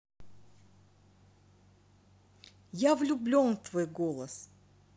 я влюблен в твой голос